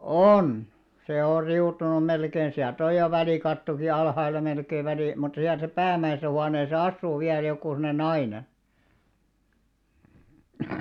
on se on riutunut melkein sieltä on jo välikattokin alhaalla melkein - mutta siellä se päämäisessä huoneessa asuu vielä joku semmoinen nainen